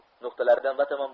no'xtalaridan batamol